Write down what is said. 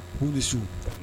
Ku ni su.